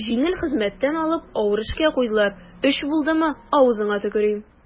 Җиңел хезмәттән алып авыр эшкә куйдылар, өч булдымы, авызыңа төкерим.